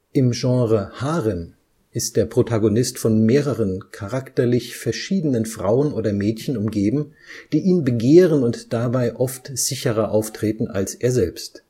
Genre Harem ist der Protagonist von mehreren, charakterlich verschiedenen Frauen oder Mädchen umgeben, die ihn begehren und dabei oft sicherer auftreten als er selbst